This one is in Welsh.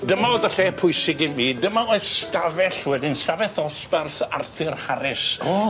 Dyma o'dd y lle pwysig i mi dyma oedd stafell wedyn stafell ddosbarth Arthur Harris. O!